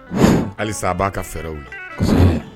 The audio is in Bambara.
Halisa a b'a ka fɛɛrɛw la